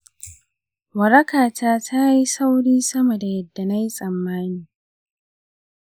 warakata tayi sauri sama da yadda nayi tsammani.